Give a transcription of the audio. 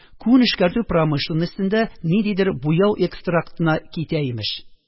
Күн эшкәртү промышленностена, ниндидер буяу экстрактына китә, имеш.